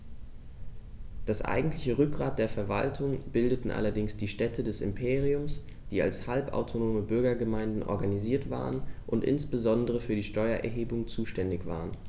Das eigentliche Rückgrat der Verwaltung bildeten allerdings die Städte des Imperiums, die als halbautonome Bürgergemeinden organisiert waren und insbesondere für die Steuererhebung zuständig waren.